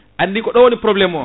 andi ko waɗi probléme o